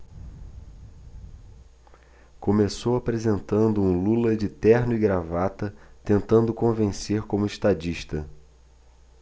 começou apresentando um lula de terno e gravata tentando convencer como estadista